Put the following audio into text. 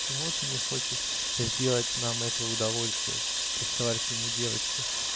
отчего ты не хочешь сделать нам этого удовольствия? -- приставали к нему девочки.